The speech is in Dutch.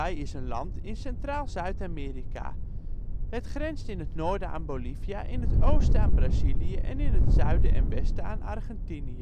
is een land in centraal Zuid-Amerika. Het grenst in het noorden aan Bolivia, in het oosten aan Brazilië en in het zuiden en westen aan Argentinië